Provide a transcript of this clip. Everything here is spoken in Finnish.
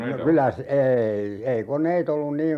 no kyllä - ei ei koneita ollut niin